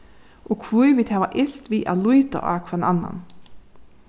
og hví vit hava ilt við at líta á hvønn annan